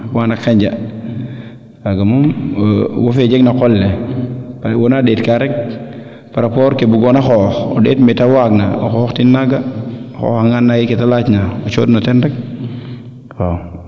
kaaga moom wo fe jeg na o qol le wona ndeet kaa rek par rapport ke bugoona xoox o ndeet meete waag na o xoox tin naaga o xoxa ngan o and keete laac na o coox no ten rek waaw